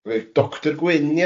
We- Doctor Gwyn, ia?